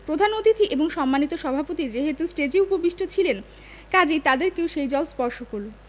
প্রধান অতিথি এবং সম্মানিত সভাপতি যেহেতু ষ্টেজেই উপবিষ্ট ছিলেন কাজেই তাদেরকেও সেই জল স্পর্শ করল